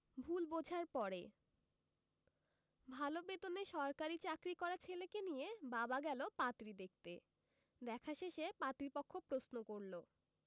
ভুল বোঝার পরে ভালো বেতনে সরকারি চাকরি করা ছেলেকে নিয়ে বাবা গেল পাত্রী দেখতে দেখা শেষে পাত্রীপক্ষ প্রশ্ন করল